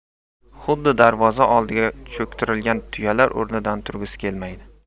xuddi darvoza oldiga cho'ktirilgan tuyalar o'rnidan turgisi kelmaydi